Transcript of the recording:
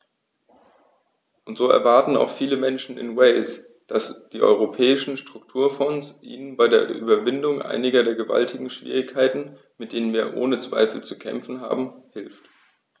Und so erwarten auch viele Menschen in Wales, dass die Europäischen Strukturfonds ihnen bei der Überwindung einiger der gewaltigen Schwierigkeiten, mit denen wir ohne Zweifel zu kämpfen haben, hilft.